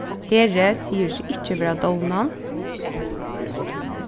heri sigur seg ikki vera dovnan